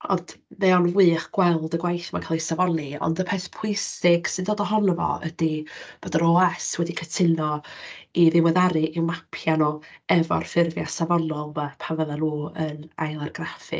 Ond, mae o'n wych gweld y gwaith 'ma'n cael ei safoni, ond y peth pwysig sy'n dod ohono fo ydy bod yr OS wedi cytuno i ddiweddaru, i'w mapio nhw efo'r ffurfia safonol 'ma pan fyddan nhw yn ail-argraffu.